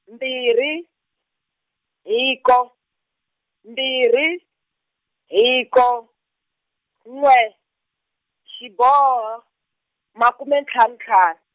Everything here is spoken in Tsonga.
mbirhi, hiko, mbirhi, hiko, n'we, xiboho, makume ntlhanu ntlha-.